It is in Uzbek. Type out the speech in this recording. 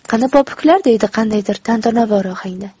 qani popuklar deydi qandaydir tantanavor ohangda